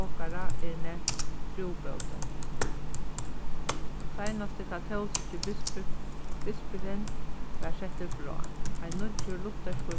okara er nevnt trúbótin seinasti katólski bispurin varð settur frá ein nýggjur lutherskur